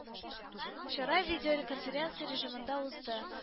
Чара видеоконференция режимында узды